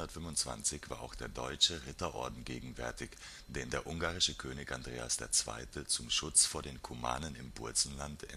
1225 war auch der Deutsche Ritterorden gegenwärtig, den der ungarische König Andreas II. zum Schutz vor den Kumanen im Burzenland